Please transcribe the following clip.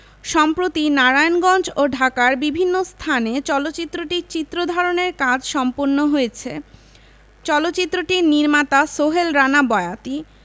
সম্প্রতি নারায়ণগঞ্জ ও ঢাকার বিভিন্ন স্থানে চলচ্চিত্রটির চিত্র ধারণের কাজ সম্পন্ন হয়েছে চলচ্চিত্রটির নির্মাতা সোহেল রানা বয়াতি